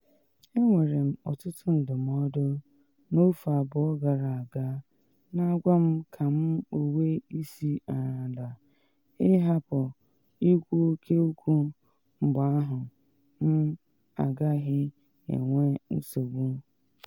Enwere m ọtụtụ ndụmọdụ n’ofe afọ abụọ gara aga na agwa m ka m owe isi n’ala, ịhapụ ikwu oke okwu mgbe ahụ ‘m agaghị enwe nsogbu.”